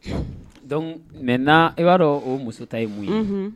Dɔnku mɛ n' i b'a dɔn o muso ta ye mun ye